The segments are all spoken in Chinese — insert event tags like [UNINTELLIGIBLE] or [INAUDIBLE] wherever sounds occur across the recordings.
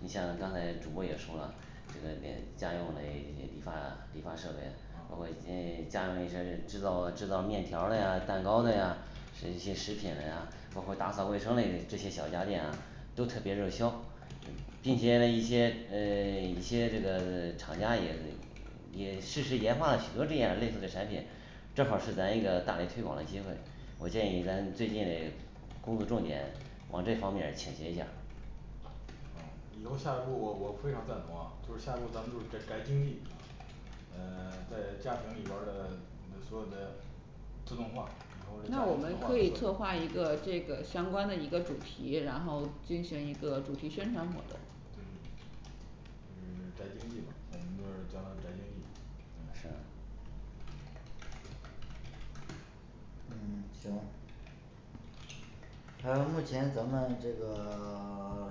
你像刚才主播也说了，这个电家用嘞一些理发理发设备，包括嗯嗯家里一些制造制造面条儿嘞呀蛋糕嘞呀一些食品嘞呀，包括打扫卫生嘞这些小家电啊都特别热销并且一些呃一些这个厂家也也确实研发许多这样类似的产品正好儿是咱一个大力推广的机会，我建议咱最近嘞工作重点往这方面儿倾斜一下哦以后下一步我我非常赞同啊，就是下一步咱们就宅宅经济嗯，呃在家庭里边儿的嗯所有的自动化以后嘞那我们将可会以自策动划化一个这个相关的一个主题，然后进行一个主题宣传活动就是，就是宅经济嘛，我们就是叫他宅经济嘛嗯是嗯行还有目前咱们这个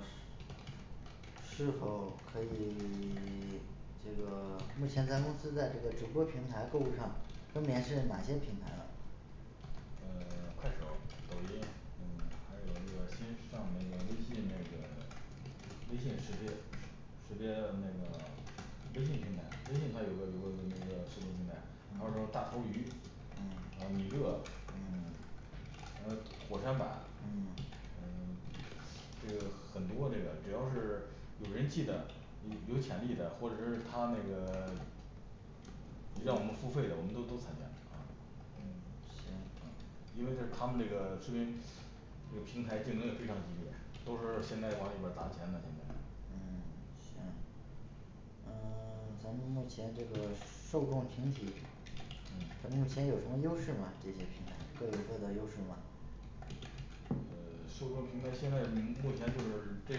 [SILENCE] 是是否可以 [SILENCE] 这个目前咱公司在这个直播平台购物上分别是哪些品牌啊？呃 [SILENCE] 快手儿、抖音，嗯还有那个新上的那个微信那个，微信识别，识别那个微信平台，微信它有个有个有那个视频平台后说大头鱼，呃嗯米勒、呃火山板嗯，呃这个很多这个只要是有人气的，有有潜力的，或者是他那个让我们付费的我们都都参加嗯行嗯因为是他们这个视频这个平台竞争也非常激烈，都是现在往里边砸钱的现在嗯行嗯 [SILENCE] 咱们目前这个受众群体他目前有什么优势吗，这些平台各有各的优势吗？呃受众平台现在目前就是这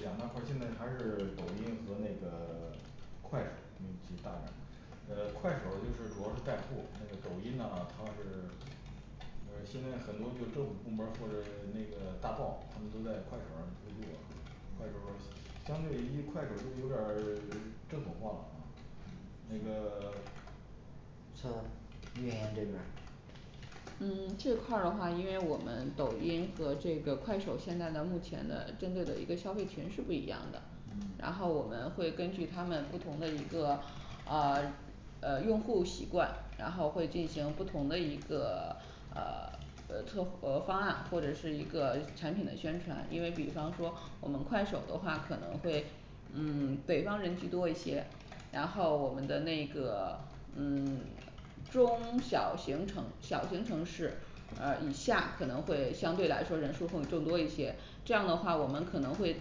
两大块儿现在还是抖音和那个快手儿名气大点儿呃快手儿就是主要是带货，那个抖音呢它是 [SILENCE] 呃现在很多就政府部门儿或者那个大报，他们都在那个快手儿上入驻了，快手儿相对于快手儿就是有点儿 [SILENCE] 正统化了啊嗯那个 [SILENCE] 是运营这边嗯这块儿的话因为我们抖音和这个快手儿现在的目前的针对的一个消费群是不一样的嗯然后我们会根据他们不同的一个啊 [SILENCE] 呃用户习惯，然后会进行不同的一个呃策 [UNINTELLIGIBLE] 和方案或者是一个产品的宣传，因为比方说我们快手的话可能会嗯 [SILENCE] 北方人居多一些然后我们的那个嗯 [SILENCE] 中小型城小型城市呃以下可能会相对来说人数会更多一些这样的话我们可能会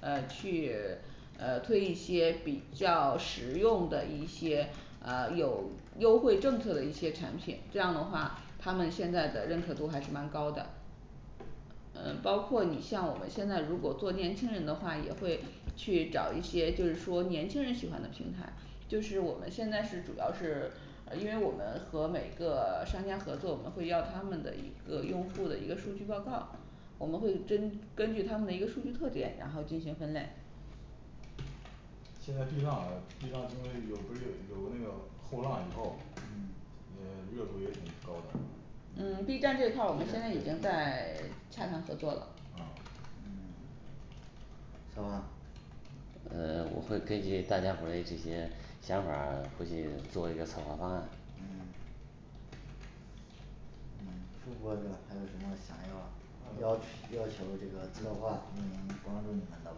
呃去呃推一些比较实用的一些呃有优惠政策的一些产品，这样的话他们现在的认可度还是蛮高的呃包括你像我们现在如果做年轻人的话，也会去找一些就是说年轻人喜欢的平台就是我们现在是主要是呃因为我们和每个商家合作，我们会要他们的一个用户的一个数据报告我们会根根据他们的一个数据特点然后进行分类现在B浪啊，B浪就是有不是有个那个后浪以后，呃热度也挺高的嗯嗯B B 站站这对一块儿我们现在已经在 [SILENCE] 洽谈合作了嗯啊策划？呃我会根据大家伙儿嘞这些想法儿回去做一个策划方案嗯嗯副播的还有什么想要要求要求这个策划嗯帮助你们的吗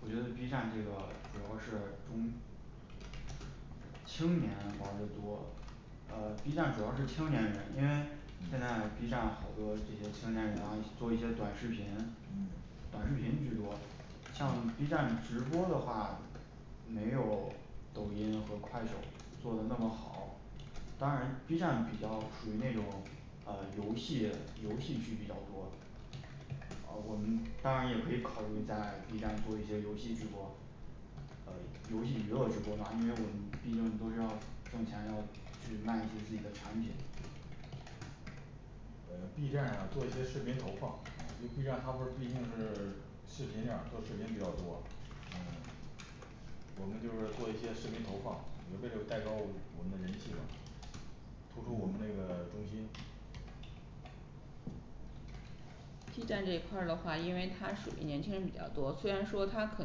我觉得B站主要是中 [UNINTELLIGIBLE] 青年玩儿的多， 呃B站主要是青年人，因为现在B站好多这些青年人啊做一些短视频，短视频居多，像B站直播的话没有抖音和快手做的那么好，当然B站比较属于那种呃游戏游戏区比较多啊我们当然也可以考虑在B站做一些游戏直播，呃游戏娱乐直播嘛，因为我们毕竟都是要挣钱，要去卖一些自己的产品呃B站上做一些视频投放，因为B 对站他不是毕竟是视频这样做视频比较多，嗯我们就是做一些视频投放，也为了带高我们的人气嘛突出我们那个中心 B站这一块儿的话，因为它是年轻人比较多，虽然说它可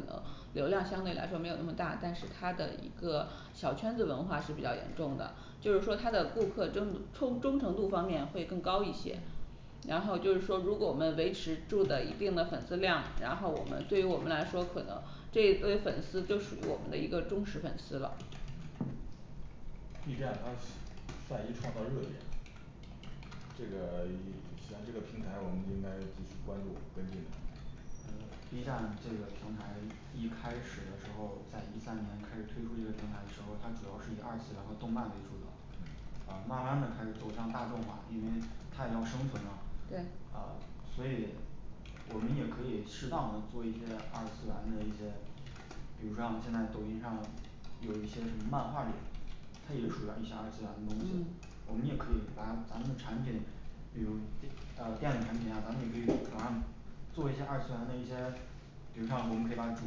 能流量相对来说没有那么大，但是它的一个小圈子文化是比较严重的就是说它的顾客争冲忠忠诚度方面会更高一嗯些然后就是说如果我们维持住了一定的粉丝量，然后我们对于我们来说，可能这一堆粉丝就属于我们的一个忠实粉丝了 B站它是善于创造热点，这个 [SILENCE] 像这个平台我们应该继续关注跟进的呃B站这个平台一开始的时候儿，在一三年开始推出这个平台的时候儿，它主要是以二次元和动漫为主的嗯啊慢慢地开始走向大众化，因为它也要生存嘛对呃所以我们也可以适当的做一些二次元的一些，比如像现在抖音上有一些什么漫画脸，它也属于一些二次元的东西嗯我们也可以把咱们的产品，比如电 [UNINTELLIGIBLE] 呃电子产品呀，咱们也可以网上做一些二次元的一些，比如像我们可以把主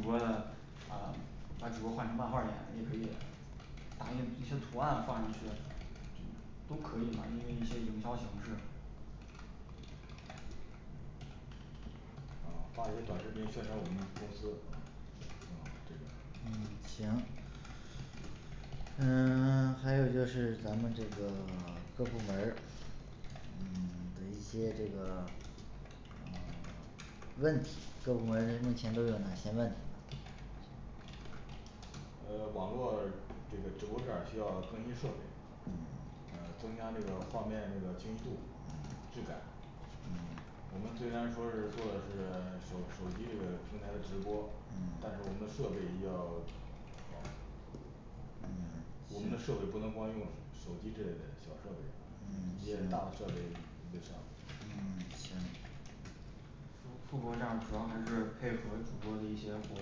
播的呃，把主播换成漫画脸，也可以打印一些图案放上去这都可以嘛，因为一些营销形式啊发一些短视频宣传我们公司嗯挺好这个嗯行嗯 [SILENCE] 还有就是咱们这个 [SILENCE] 各部门儿嗯 [SILENCE] 的一些这个呃 [SILENCE] 问题，各部门儿目前都有哪些问题呢？呃网络这个直播片需要更新设备呃增加那个画面那个清晰度，质嗯感嗯我们虽然说是做的是手手机这个平台的直播，嗯但是我们的设备一定要好嗯我们的设备不能光用手机这类的小设备啊，一些大的设备也得上嗯 [SILENCE] 行副副播这儿主要还是配合主播的一些活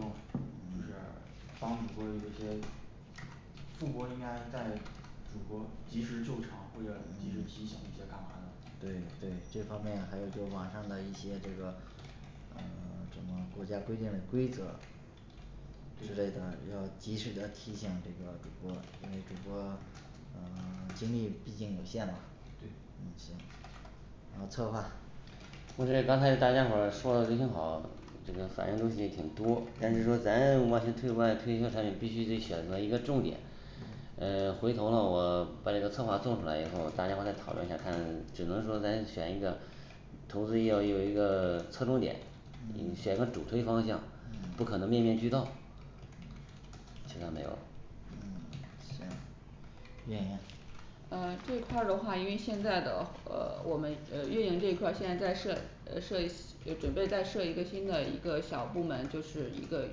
动，就是帮主播有一些，副播应该在主播及时救场或者及时提醒一些干嘛的对对，这方面还有就网上的一些这个，呃 [SILENCE] 什么国家规定的规则，这之类的要及时的提醒这个主播因为主播呃精力毕竟有限嘛嗯对行呃策划我觉得刚才大家伙儿说的都挺好，这个反映的问题也挺多，但是说咱完全推广推销产品必须得选择一个重点呃回头我啊把这个策划做出来以后，大家伙再讨论一下看，只能说咱选一个投资要有一个侧重点你选个主推方向，不嗯可能面面俱到，其他没有了嗯行，运营呃这一块儿的话，因为现在的呃我们呃运营这一块儿现在在设呃设一 [UNINTELLIGIBLE] 准备再设一个新的一个小部门，就是一个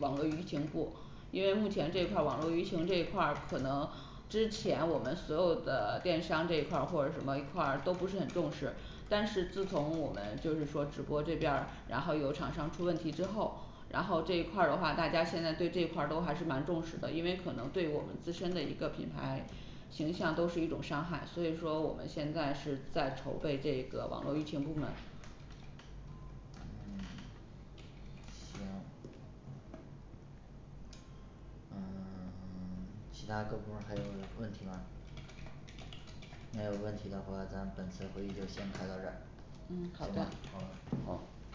网络舆情部因为目前这一块网络舆情这一块，可能之前我们所有的电商这一块儿或者什么一块儿都不是很重视但是自从我们就是说直播这边儿，然后有厂商出问题之后，然后这一块儿的话大家现在对这块儿都还是蛮重视的，因为可能对我们自身的一个平台形象都是一种伤害，所以说我们现在是在筹备这个网络舆情部门嗯行嗯 [SILENCE] 其他各部门儿还有问问题吗？没有问题的话，咱本次会议就先开到这儿嗯好行的吧好好